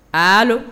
Allo